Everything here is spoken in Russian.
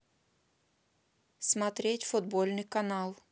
смотреть футбольный канал